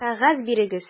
Кәгазь бирегез!